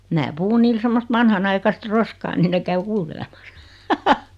minä puhun niille semmoista vanhanaikaista roskaa niin ne käy kuuntelemassa